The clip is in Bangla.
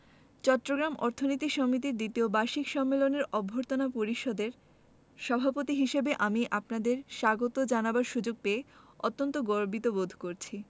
চট্টগ্রাম অর্থনীতি সমিতির দ্বিতীয় বার্ষিক সম্মেলনের অভ্যর্থনা পরিষদের সভাপতি হিসেবে আমি আপনাদের স্বাগত জানাবার সুযোগ পেয়ে অত্যন্ত গর্বিত বোধ করছি